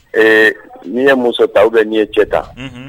Ee n'i ye muso ta bɛ ni ye cɛ ta